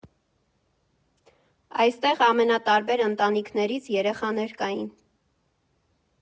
Այստեղ ամենատարբեր ընտանիքներից երեխաներ կային։